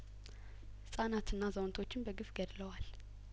ህጻናትና አዛውንቶችን በግፍ ገድለዋል